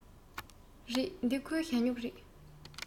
རེད འདི ཁོའི ཞ སྨྱུག རེད